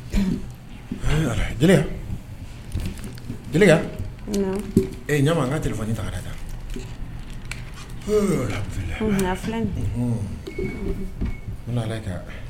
Ɲa ka ta